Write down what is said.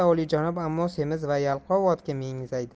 olijanob ammo semiz va yalqov otga mengzaydi